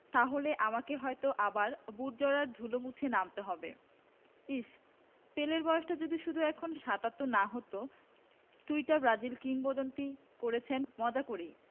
তাহলে আমাকে হয়তো আবার বুটজোড়ার ধুলো মুছে নামতে হবে ইশ্ পেলের বয়সটা যদি শুধু এখন ৭৭ না হতো টুইটটা ব্রাজিল কিংবদন্তি করেছেন মজা করেই